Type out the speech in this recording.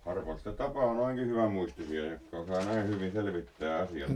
harvoin sitä tapaa noinkin hyvämuistisia jotka osaa näin hyvin selvittää asiat